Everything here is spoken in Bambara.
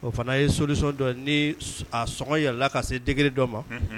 O fana ye solution dɔ ni a sɔngɔ yɛlɛla ka se degeg dɔ ma, unhun.